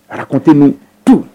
Aratteini tu